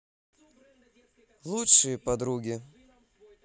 лучшие подруги